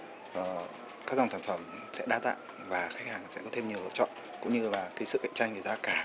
ờ các dòng sản phẩm sẽ đa dạng và khách hàng sẽ có thêm nhiều lựa chọn cũng như là cái sự cạnh tranh về giá cả